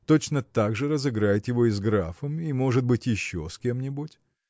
точно так же разыграет его и с графом и может быть еще с кем-нибудь.